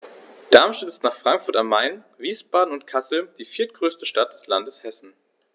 Darmstadt ist nach Frankfurt am Main, Wiesbaden und Kassel die viertgrößte Stadt des Landes Hessen